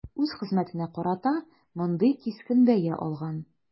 Үз хезмәтенә карата мондый кискен бәя алган.